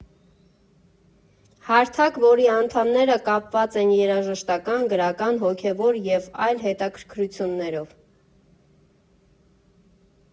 Հարթակ, որի անդամները կապված են երաժշտական, գրական, հոգևոր և այլ հետաքրքրություններով։